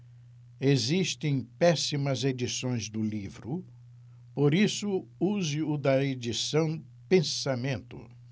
existem péssimas edições do livro por isso use o da edição pensamento